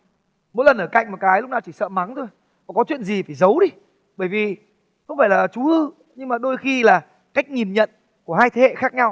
mỗi lần ở cạnh một cái lúc nào chỉ sợ mắng thôi có chuyện gì phải giấu đi bởi vì không phải là chú hư nhưng mà đôi khi là cách nhìn nhận của hai thế hệ khác nhau